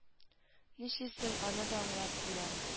Нишлисең аны да аңлап була